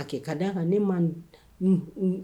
A kɛ ka di' kan ne ma